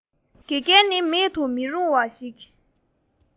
དགེ རྒན ནི མེད དུ མི རུང བ ཡིན